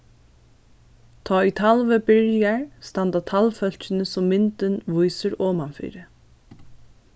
tá ið talvið byrjar standa talvfólkini sum myndin vísir omanfyri